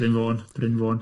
Brin Fôn, Brin Fôn.